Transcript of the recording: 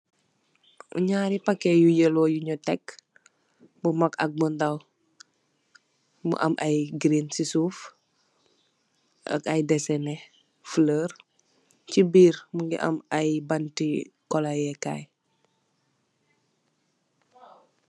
Narri pacet yu yollit, bu mag ak bu ndaw mn am ayi wert ci suff ak ayi desene florr ci birr mingi am ayi banti color ayii.